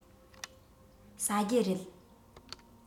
ཟ རྒྱུ རེད